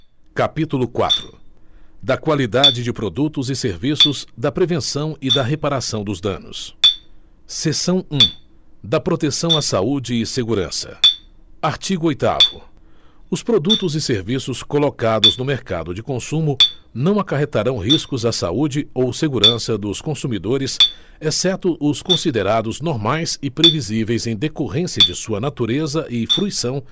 capítulo quatro da qualidade de produtos e serviços da prevenção e da reparação dos danos seção um da proteção à saúde e segurança artigo oitavo os produtos e serviços colocados no mercado de consumo não acarretarão riscos à saúde ou segurança dos consumidores exceto os considerados normais e previsíveis em decorrência de sua natureza e fruição